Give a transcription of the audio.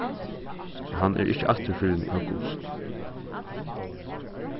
so hann er ikki aftur fyrr enn í august